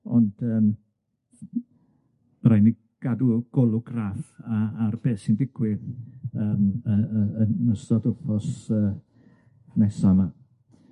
Ond yym ma' raid i ni gadw golwg graff -r ar be' sy'n digwydd yym yy yy yn yn ystod wthnose nesa' 'ma.